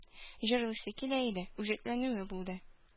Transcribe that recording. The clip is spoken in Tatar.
Җырлыйсы килә иде, үҗәтләнүе булды